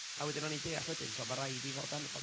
A wedyn o'n i'n deall wedyn tibmd ma' raid i fi fod arno fo, ond